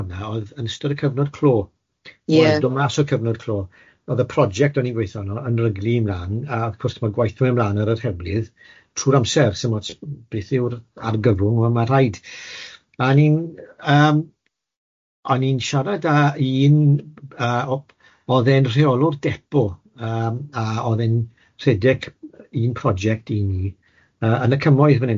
dod mas o'r cyfnod clo, o'dd y project o'n i'n gweitho arno yn rhaglu ymlan a wrth gwrs ma' gwaith yn mynd mlan ar yr hewlydd trwy'r amser, 'sim ots beth yw'r argyfwng, wel ma' rhaid a o'n i'n yym o'n i'n siarad â un yy o- o'dd e'n rheolwr depo yym a o'dd e'n rhedeg un project i ni yy yn y cymoedd fan hyn.